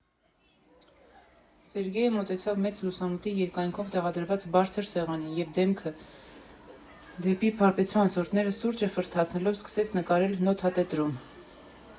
Սերգեյը մոտեցավ մեծ լուսամուտի երկայնքով տեղադրված բարձր սեղանին և դեմքով դեպի Փարպեցու անցորդները՝ սուրճը ֆռթացնելով սկսեց նկարել նոթատետրում։